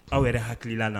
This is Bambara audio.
Aw yɛrɛ hakilila la